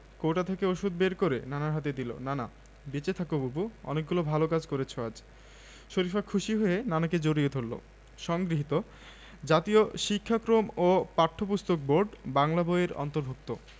দূর খেলনার plane battery দেয়া আমি সেদিন আবুদের বাড়িতে দেখেছি খোকন মহা উৎসাহে প্লেনের বর্ণনা দেয় আবুর বাবা দুবাইতে আজ দুবছর হয়ে গেলো গেছে ঈদ করতে এসেছে কয়েকদিন হলো